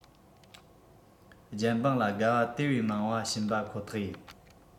རྒྱལ འབངས ལ དགའ བ དེ བས མང བ བྱིན པ ཁོ ཐག ཡིན